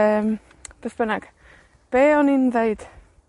Yym, beth bynnag. Be' o'n i'n ddeud?